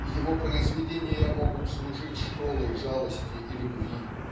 и его произведения могут служить школой жалости и любви.